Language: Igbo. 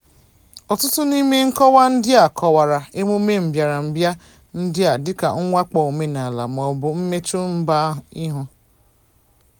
Ọtụtụ n'ime nkọwa ndị a kọwara emume mbịarambịa ndị a dịka "mwakpo omenala" mọọbụ "mmechu mba ihu"."